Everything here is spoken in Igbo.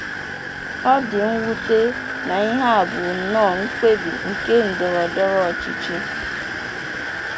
Ọ dị mwute na ihe a bụ nọọ mkpebi nke ndọrọndọrọ ọchịchị.